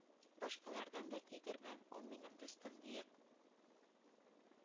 Башкалардан да тидермәм, ул минем дустым, диеп,